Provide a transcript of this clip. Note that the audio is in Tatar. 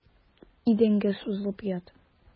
Идәнгә сузылып ят.